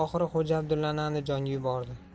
oxiri xo'ja abdullani andijonga yubordi